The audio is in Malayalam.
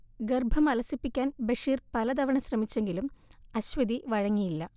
ഗർഭം അലസിപ്പിക്കാൻ ബഷീർ പലതവണ ശ്രമിച്ചെങ്കിലും അശ്വതി വഴങ്ങിയില്ല